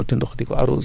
léegi bu ma ko muuree